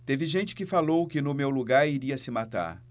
teve gente que falou que no meu lugar iria se matar